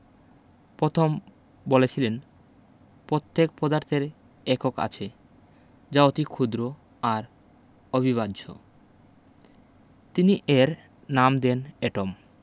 পথম বলেছিলেন পত্যেক পদার্থের একক আছে যা অতি ক্ষুদ্র আর অবিভাজ্য তিনি এর নাম দেন এটম